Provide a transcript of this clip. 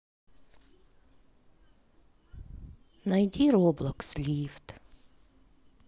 найди роблокс лифт